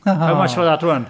How much for that one?